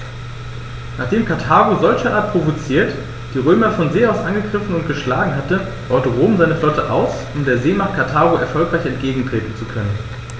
Nachdem Karthago, solcherart provoziert, die Römer von See aus angegriffen und geschlagen hatte, baute Rom seine Flotte aus, um der Seemacht Karthago erfolgreich entgegentreten zu können.